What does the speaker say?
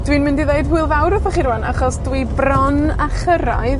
dwi'n mynd i ddeud hwyl fawr wrthoch chi rŵan, achos dwi bron â chyrraedd